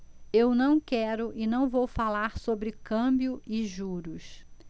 eu não quero e não vou falar sobre câmbio e juros